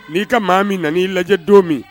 N'i ka maa min nan'i lajɛ don min